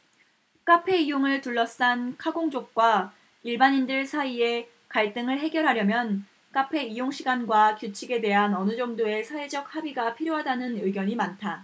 카페 이용을 둘러싼 카공족과 일반인들 사이의 갈등을 해결하려면 카페 이용시간과 규칙에 대한 어느 정도의 사회적 합의가 필요하다는 의견이 많다